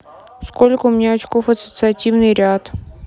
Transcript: сколько у меня очков ассоциативный ряд